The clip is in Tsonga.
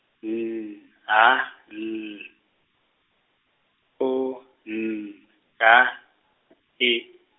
N H L O N H E.